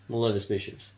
Ma'n lyfio spaceships.